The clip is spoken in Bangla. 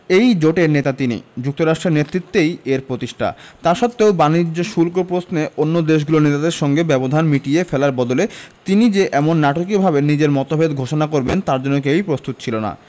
এই জোটের নেতা তিনি যুক্তরাষ্ট্রের নেতৃত্বেই এর প্রতিষ্ঠা তা সত্ত্বেও বাণিজ্য শুল্ক প্রশ্নে অন্য দেশগুলোর নেতাদের সঙ্গে ব্যবধান মিটিয়ে ফেলার বদলে তিনি যে এমন নাটকীয়ভাবে নিজের মতভেদ ঘোষণা করবেন তার জন্য কেউই প্রস্তুত ছিল না